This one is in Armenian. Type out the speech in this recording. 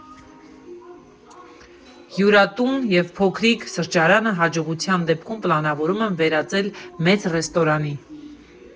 Հյուրատուն և փոքրիկ սրճարանը հաջողության դեպքում պլանավորում եմ վերածել մեծ ռեստորանի։